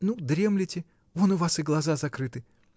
— Ну, дремлете: вон у вас и глаза закрыты.